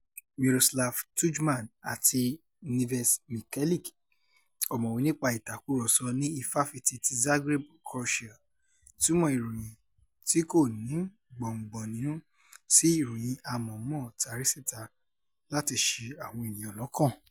Miroslav Tudjman àti Nives Mikelic, ọ̀mọ̀wé nípa ìtàkùrọ̀sọ ní Ifáfitì ti Zagreb, Croatia, túmọ̀ ìròyìn tí kò ní gbọ́ngbọ́n nínú sí "ìròyìn àmọ̀ọ́mọ̀ tari síta láti ṣi àwọn ènìyàn lọ́kàn".